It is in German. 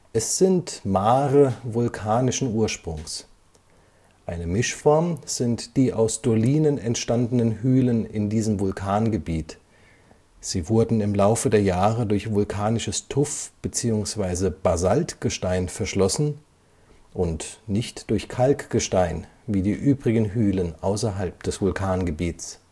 Es sind Maare vulkanischen Ursprungs. Eine Mischform sind die aus Dolinen entstandenen Hülen in diesem Vulkangebiet, sie wurden im Laufe der Jahre durch vulkanisches Tuff - bzw. Basaltgestein verschlossen (und nicht durch Kalkgestein, wie die übrigen Hülen außerhalb des Vulkangebiets